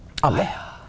alle.